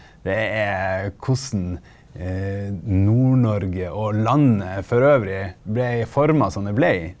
det er hvordan Nord-Norge og landet for øvrig blei forma som det blei.